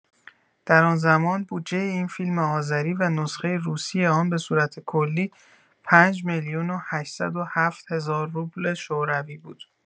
در آن‌زمان، بودجه این فیلم آذری و نسخه روسی آن به صورت کلی ۵ میلیون و ۸۰۷ هزار روبل شوروی بود.